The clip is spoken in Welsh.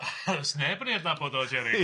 Oes neb yn ei adnabod o Jerry?